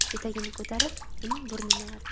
etagini ko'tarib uning burnini artdi